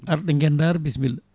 arɗo guendaar bisimilla